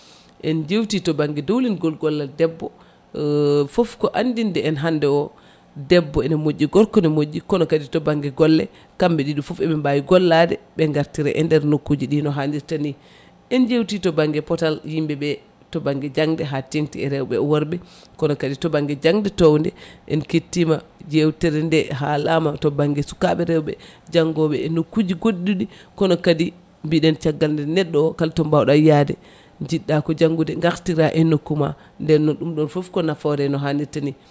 en jewti to banggue dowlingol gollal debbo foof ko andide en hande o debbo ene moƴƴi gorko ne moƴƴi kono kadi to banggue golle kamɓe ɗiɗo foof eɓe mbawi gollade ɓe gartira e nder nokkuji ɗi no hannirta ni en jewti to banggue pootal yimɓeɓe to banggue jangde ha tengti e rewɓe e worɓe kono kadi to banggue jangde towde en kettima yewtere nde haalama to banggue sukaɓe rewɓe janggoɓe e nokkuji goɗɗuɗi kono kadi mbiɗen caggal nde neɗɗo o kala to mbawɗa yaade jiɗɗa ko janggude gartira e nokku ma nden noon ɗum ɗo foof ko nafoore no hannirta ni